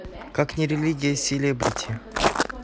как не религия селебрити